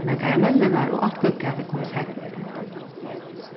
men karamellurnar og alt góðgætið kom seinni